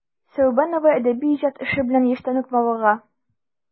Сәүбанова әдәби иҗат эше белән яшьтән үк мавыга.